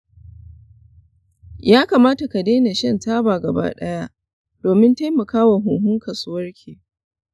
ya kamata ka daina shan taba gaba ɗaya domin taimakawa huhun ka su warke.